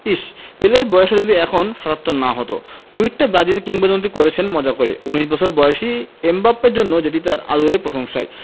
ইশ্ পেলের বয়সটা যদি এখন ৭৭ না হতো টুইটটা ব্রাজিল কিংবদন্তি করেছেন মজা করেই ১৯ বছর বয়সী এমবাপ্পের জন্য যেটি তাঁর আদুরে প্রশংসাই